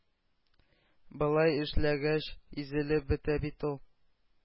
Болай эшләгәч, изелеп бетә бит ул.